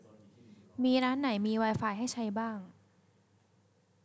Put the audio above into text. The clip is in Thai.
มีร้านไหนมีไวไฟให้ใช้บ้าง